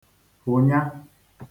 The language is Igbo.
kwụ̀nya